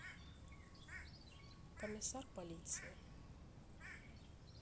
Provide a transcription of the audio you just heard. комиссар полиции